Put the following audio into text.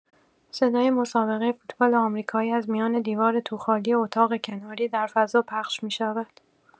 صدای مسابقه فوتبال آمریکایی از میان دیوار توخالی اتاق کناری در فضا پخش می‌شود.